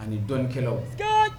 A ni dɔɔninkɛlaw